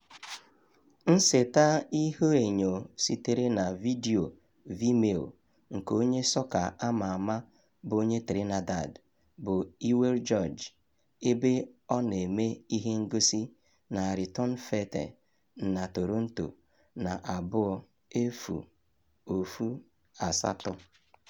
Nseta ihuenyo sitere na vidiyo Vimeo nke onye sọka a ma ama bụ onye Trinidad bụ Iwer George ebe ọ na-eme ihe ngosi na Return Fête na Toronto na 2018.